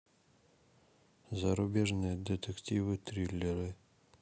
зарубежные детективы триллеры